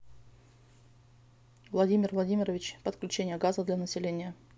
владимир владимирович подключение газа для населения